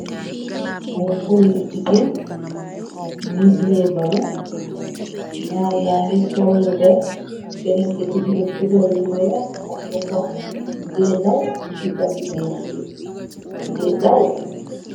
Ay xele yu jiggé ni zuwe bala ñaar yaa ngi sol vet kerinte tuddugab bisa lu weex. Ak doxon g daw di dadi bala ngee daw.